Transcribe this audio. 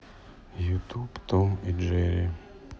ютуб том и джерри